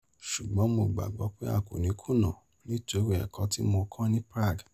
Ṣùgbọ́n mo gbàgbọ́ pé a kò ní kùnà, nítorí ẹ̀kọ́ tí mo kọ̀ ní Prague.